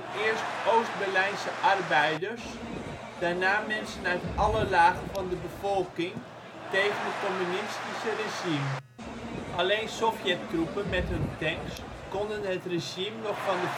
eerst Oost-Berlijnse arbeiders, daarna mensen uit alle lagen van de bevolking tegen het communistische regime. Alleen Sovjet-troepen met hun tanks konden het regime nog van de